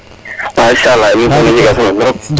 machaala alkhamdoulila